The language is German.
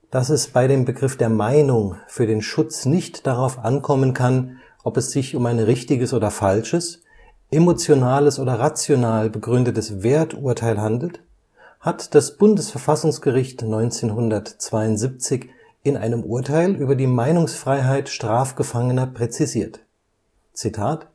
Dass es bei dem Begriff der „ Meinung “für den Schutz nicht darauf ankommen kann, ob es sich um ein richtiges oder falsches, emotionales oder rational begründetes Werturteil handelt, hat das Bundesverfassungsgericht 1972 in einem Urteil über die Meinungsfreiheit Strafgefangener präzisiert: „ In